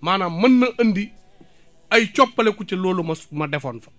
maanaam mën na andi ay coppaleku ca loola ma ma defoon fa